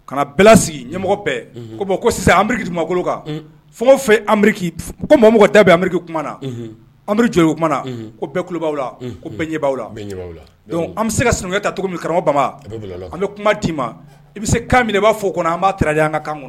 Ka bɛɛ sigi ɲɛmɔgɔ bɛɛ ko bɔn anbirikimankolon kan fo fɛbiriki ko mamɔgɔ tɛ bɛ amiriki kuma nabiri jɔw kumaumana ko ku la ko ɲɛ an bɛ se ka ta cogo min karamɔgɔ bama an bɛ kuma'i ma i bɛ se kan minɛ i b'a fɔ kɔnɔ an b'a an ka kan kɔnɔ